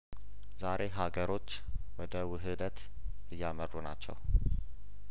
ዛሬ ሀገሮች ወደ ውህደት እያመሩ ናቸው